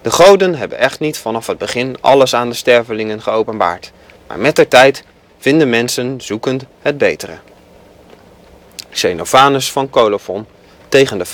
goden hebben echt niet vanaf het begin alles aan de stervelingen geopenbaard, maar mettertijd vinden mensen zoekend het betere. (Xenophanes van Colophon, Tegen